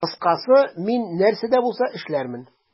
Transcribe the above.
Кыскасы, мин нәрсә дә булса эшләрмен.